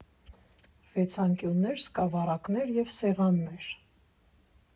Վեցանկյուններ, սկավառակներ և սեղաններ։